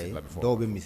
Dɔw bɛ misi